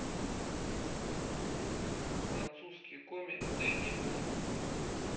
французский комик дэни бун